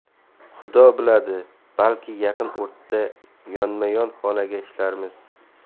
xudo biladi balki yaqin o'rtada yonma yon xonada ishlarmiz